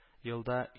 Елда